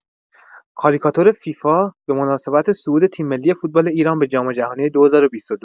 کاریکاتور فیفا به مناسبت صعود تیم‌ملی فوتبال ایران به جام‌جهانی ۲۰۲۲